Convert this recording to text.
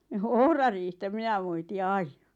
no ohrariihtä minä moitin aina